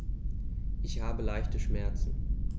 Ich habe leichte Schmerzen.